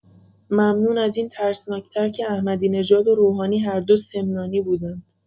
ممنون از این ترسناک‌تر که احمدی‌نژاد و روحانی هر دو سمنانی بودند!